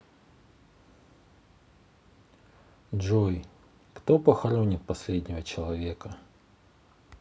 джой кто похоронит последнего человека